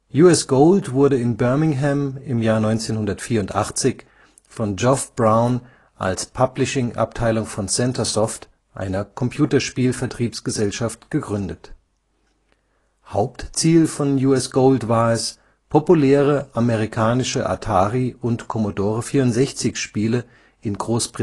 U.S. Gold wurde in Birmingham im Jahr 1984 von Geoff Brown als Publishing-Abteilung von Centresoft, einer Computerspiel-Vertriebsgesellschaft gegründet. Hauptziel von U.S. Gold war es, populäre amerikanische Atari - und Commodore 64-Spiele in Großbritannien